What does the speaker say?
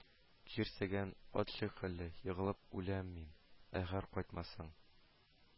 Җирсәгән ат шикелле егылып үләм мин, әгәр кайтмасаң